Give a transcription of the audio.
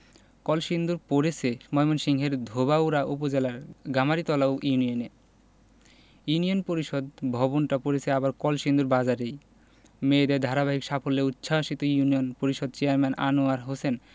কলসিন্দুর পড়েছে ময়মনসিংহের ধোবাউড়া উপজেলার গামারিতলা ইউনিয়নে ইউনিয়ন পরিষদ ভবনটা পড়েছে আবার কলসিন্দুর বাজারেই মেয়েদের ধারাবাহিক সাফল্যে উচ্ছ্বসিত ইউনিয়ন পরিষদের চেয়ারম্যান আনোয়ার হোসেন